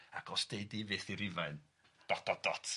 ac os deud hi fyth i Rufain, dot dot dot.